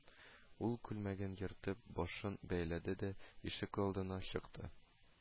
Ул, күлмәген ертып, башын бәйләде дә ишегалдына чыкты